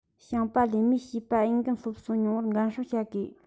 ཞིང པ ལས མིའི བྱིས པས འོས འགན སློབ གསོ མྱོང བར འགན སྲུང བྱ དགོས